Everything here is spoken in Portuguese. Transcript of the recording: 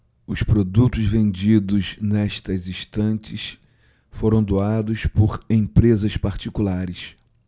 os produtos vendidos nestas estantes foram doados por empresas particulares